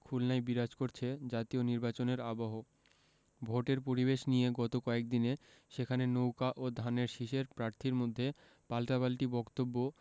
খুলনায় বিরাজ করছে জাতীয় নির্বাচনের আবহ ভোটের পরিবেশ নিয়ে গত কয়েক দিনে সেখানে নৌকা ও ধানের শীষের প্রার্থীর মধ্যে পাল্টাপাল্টি বক্তব্য